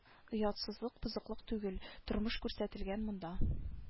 Оятсызлык бозыклык түгел тормыш күрсәтелгән монда